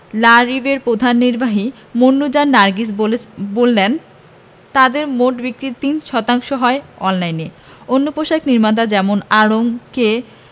লা রিবের প্রধান নির্বাহী মুন্নুজান নার্গিস বলেস বললেন তাঁদের মোট বিক্রির ৩ শতাংশ হয় অনলাইনে অন্য পোশাক নির্মাতা যেমন আড়ং কে